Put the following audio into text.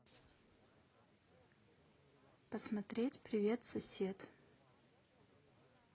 посмотреть привет сосед